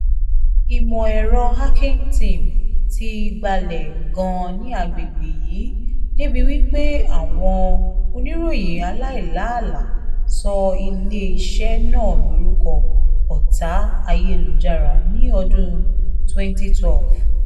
Ìmọ̀ ẹ̀rọ Hacking Team ti gbalẹ̀ gan-an ní agbègbè yìí débi wípé àwọn Oníròyìn Aláìláàlà sọ ilé iṣẹ́ náà lórúkọ "Ọ̀tá Ayélujára" ní ọdún 2012.